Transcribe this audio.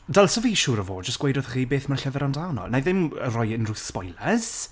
Dylse fi siŵr o fod jyst gweud wrthoch chi beth ma'r llyfr amdano. wna i ddim, yy, roi unrhyw spoilers,